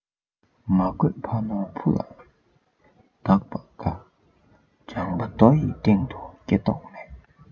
མ བཀོད ཕ ནོར བུ ལ བདག པ དཀའ ལྗང པ རྡོ ཡི སྟེང དུ སྐྱེ མདོག མེད